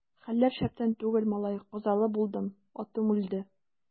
Хәлләр шәптән түгел, малай, казалы булдым, атым үлде.